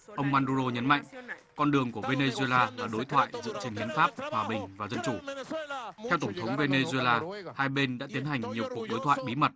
ông ma đu rô nhấn mạnh con đường của vê nê dua la và đối thoại dựa trên hiến pháp hòa bình và dân chủ theo tổng thống vê nê dua la hai bên đã tiến hành nhiều cuộc đối thoại bí mật